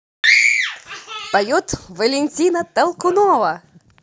поет валентина толкунова